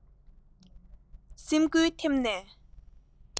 སེམས འགུལ ཐེབས ནས